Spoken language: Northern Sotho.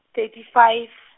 thirty five.